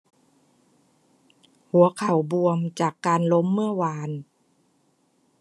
หัวเข่าบวมจากการล้มเมื่อวาน